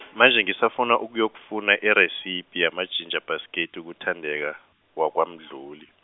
manje ngisafuna ukuyokufuna iresiphi yamajinja bhasketi kuThandeka, waKwaMdluli.